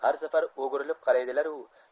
har safar o'girilib karaydilaru